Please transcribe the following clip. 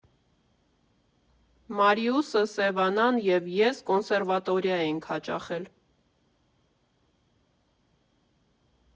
Մարիուսը, Սևանան և ես կոնսերվատորիա ենք հաճախել։